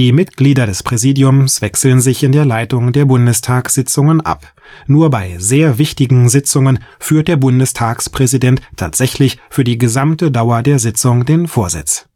Mitglieder des Präsidiums wechseln sich in der Leitung der Bundestagssitzungen ab; nur bei sehr wichtigen Sitzungen führt der Bundestagspräsident tatsächlich für die gesamte Dauer der Sitzung den Vorsitz